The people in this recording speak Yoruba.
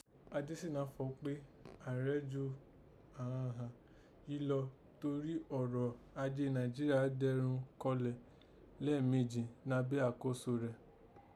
Adésina fọ̀ọ́ pé Ààrẹ jù àghan ghàn yìí lọ torí ọrọ̀ ajé Nàìjíríà dẹrun kọlẹ̀ lẹ́ẹ̀meji nabẹ́ àkóso rẹ̀